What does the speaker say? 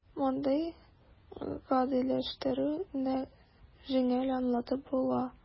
Мондый "гадиләштерү"не җиңел аңлатып була: